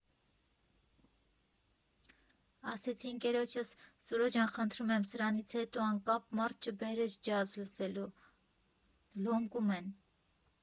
Ասեցի ընկերոջս՝ «Սուրո ջան, խնդրում եմ սրանից հետո անկապ մարդ չբերես ջազ լսելու, լոմկում են»։